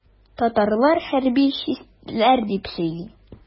Татарлар хәрби чәстләр дип сөйли.